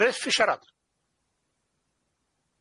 Gruff i siarad.